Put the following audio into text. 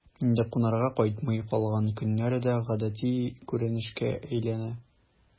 Инде кунарга кайтмый калган көннәр дә гадәти күренешкә әйләнә...